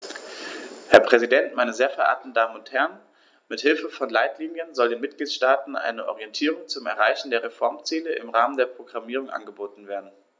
Herr Präsident, meine sehr verehrten Damen und Herren, mit Hilfe von Leitlinien soll den Mitgliedstaaten eine Orientierung zum Erreichen der Reformziele im Rahmen der Programmierung angeboten werden.